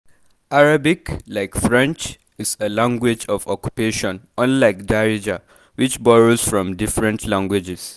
Arabic, like French, is a language of occupation unlike Darija which borrows from different languages.